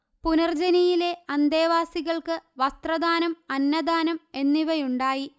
പുനർജനിയിലെ അന്തേവാസികൾക്ക് വസ്ത്രദാനം അന്നദാനം എന്നിവയുണ്ടായി